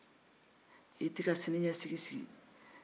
i t'i ka siniɲɛsigi labɛn